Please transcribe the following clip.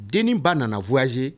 Deninba nana voyager